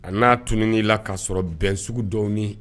A n'a tununi la k'asɔrɔ bɛn sugu dɔɔnin